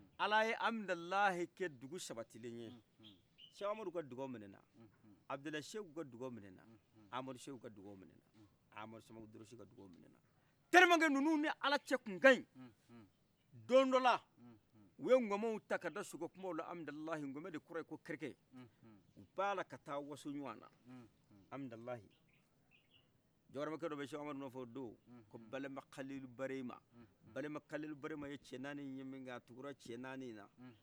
seku amadu ka duwawu minaina abudulayi seku ka duwawu minaina amadu seku ka duwawu minaina amadu sama durusi ka duwawu minaina tɛlima ke nunnu ni ala cɛ tun kaɲi don dɔla uye ŋɔmɛw ta kada sokɛ kunbawla amidalayi ŋɔmɛ de tɔgɔye ko kɛrɛkɛ ubal la taa wasso ɲɔgɔna amidalyi jɔharamɛkɛ dɔ be cheku amadu ko barema kalidu barema barema kalidu barema ye cɛ nanin ye minkɛ a tugura cɛ naninna